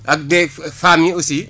ak des :ra femmes yi aussi